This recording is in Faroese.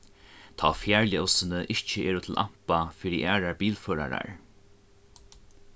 tá fjarljósini ikki eru til ampa fyri aðrar bilførarar